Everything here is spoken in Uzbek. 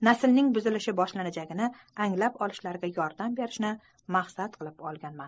naslning buzilishi boshlanajagini anglab olishlariga yordam berishni maqsad qilib olgan